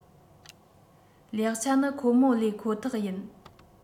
ལེགས ཆ ནི ཁོ མོ ལས ཁོ ཐག ཡིན